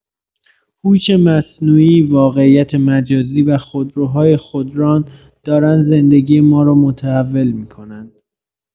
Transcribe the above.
هوش مصنوعی، واقعیت مجازی و خودروهای خودران دارن زندگی مارو متحول می‌کنن.